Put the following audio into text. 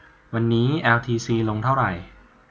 วันนี้แอลทีซีลงเท่าไหร่